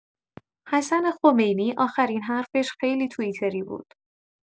حسن خمینی آخرین حرفش خیلی تویی‌تری بود.